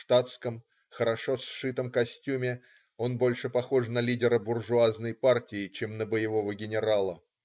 В штатском, хорошо сшитом костюме он больше похож на лидера буржуазной партии, чем на боевого генерала.